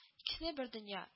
Икесенә бер дөнья